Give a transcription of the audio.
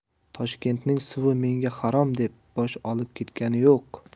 toshkentning suvi menga harom deb bosh olib ketgani yo'q